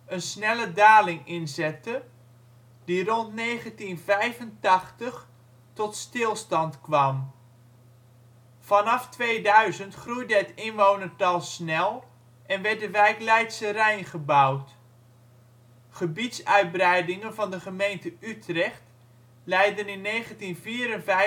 een snelle daling inzette, die rond 1985 tot stilstand kwam. Vanaf 2000 groeide het inwonertal snel en werd de wijk Leidsche Rijn gebouwd. Gebiedsuitbreidingen van de gemeente Utrecht leidden in 1954 en 2001